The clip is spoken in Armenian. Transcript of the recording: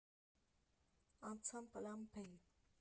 Անցան Պլան Բ֊ի։